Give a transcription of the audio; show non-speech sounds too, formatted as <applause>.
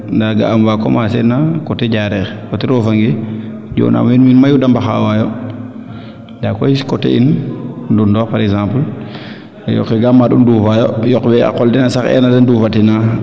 nda ga aam waa commencer na coté Diarekh <unintelligible> yoonam meen wiin mayu de mbaxawa yo ndaa koy coté in Ndoundokh par exemple yoqe kaa mbaand u nduufa yo yoq we a qol den sax eerna de ndufa tina